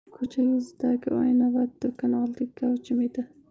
ko'cha yuzidagi oynavand do'kon oldi gavjum edi